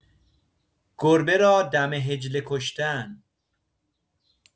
گربه را دم حجله کشتن